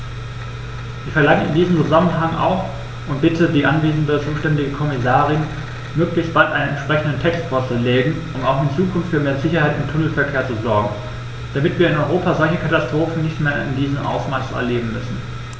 Ich verlange in diesem Zusammenhang auch und bitte die anwesende zuständige Kommissarin, möglichst bald einen entsprechenden Text vorzulegen, um auch in Zukunft für mehr Sicherheit im Tunnelverkehr zu sorgen, damit wir in Europa solche Katastrophen nicht mehr in diesem Ausmaß erleben müssen!